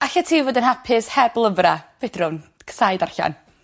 Allet ti fod yn hapus heb lyfra'? Fedrwn. Casau darllen.